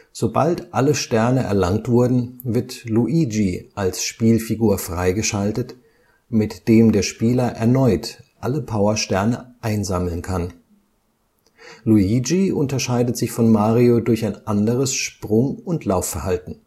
Sobald alle Sterne erlangt wurden, wird Luigi als Spielfigur freigeschaltet, mit dem der Spieler erneut alle Powersterne einsammeln kann. Luigi unterscheidet sich von Mario durch ein anderes Sprung - und Laufverhalten